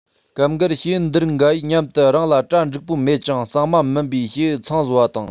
སྐབས འགར བྱེའུ འདི རིགས འགའ ཡིས མཉམ དུ རང ལ གྲ འགྲིག པོ མེད ཅིང གཙང མ མིན པའི བྱེའུ ཚང བཟོ བ དང